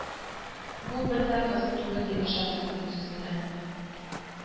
Бу бер дә кызык түгел, диде Шамил күңелсез генә